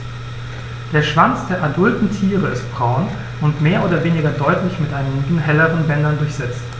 Der Schwanz der adulten Tiere ist braun und mehr oder weniger deutlich mit einigen helleren Bändern durchsetzt.